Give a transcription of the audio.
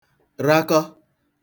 rakọ